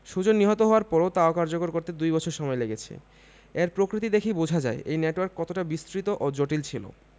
সুজন নিহত হওয়ার পরও তা অকার্যকর করতে দুই বছর সময় লেগেছে এর প্রকৃতি দেখেই বোঝা যায় এই নেটওয়ার্ক কতটা বিস্তৃত ও জটিল ছিল